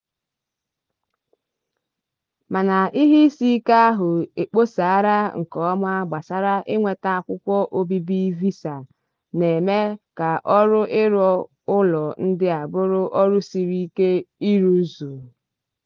Mana ihe isi ike ahụ ekposara nkeọma gbasara ịnweta akwụkwọ obibi visa na-eme ka ọrụ ịrụ ụlọ ndị a bụrụ ọrụ siri ike ịrụzu.